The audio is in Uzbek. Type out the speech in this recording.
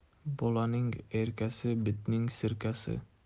bolaning erkasi bitning sirkasi